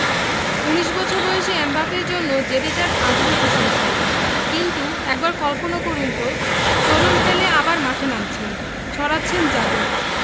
১৯ বছর বয়সী এমবাপ্পের জন্য যেটি তাঁর আদুরে প্রশংসাই কিন্তু একবার কল্পনা করুন তো তরুণ পেলে আবার মাঠে নামছেন ছড়াচ্ছেন জাদু